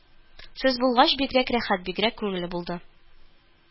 Сез булгач, бигрәк рәхәт, бигрәк күңелле булды